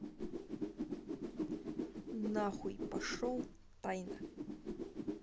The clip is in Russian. нахуй пошел тайна